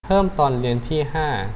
เพิ่มตอนเรียนที่ห้า